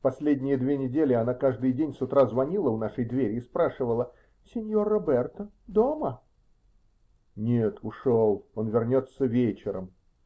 Последние две недели она каждый день с утра звонила у нашей двери и спрашивала: -- Синьор Роберто дома? -- Нет, ушел. Он вернется вечером.